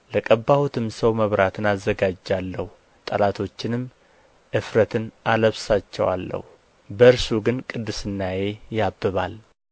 ለቀባሁትም ሰው መብራትን አዘጋጃለሁ ጠላቶችንም እፍረትን አለብሳቸዋለሁ በእርሱ ግን ቅድስናዬ ያብባል